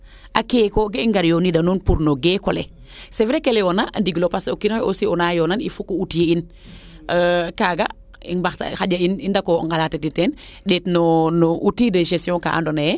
a keek o ga i ngar yoonida nuun pour no geekole c' est vrai que ke leyoona ndigilo parce que o kiinoxe aussi ona yoonana il faut o outil in kaaga i xaƴa i ndako ngalatin teen ndet no outil de gestion kaa ando naye